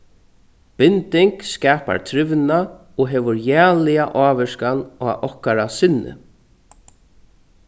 binding skapar trivnað og hevur jaliga ávirkan á okkara sinni